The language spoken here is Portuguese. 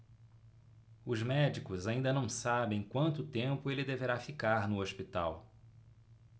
os médicos ainda não sabem quanto tempo ele deverá ficar no hospital